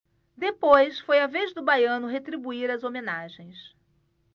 depois foi a vez do baiano retribuir as homenagens